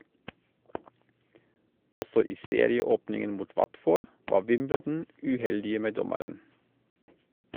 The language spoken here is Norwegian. Også i serieåpningen mot Watford var Wimbledon uheldige med dommeren.